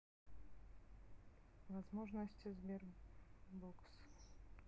возможности sberbox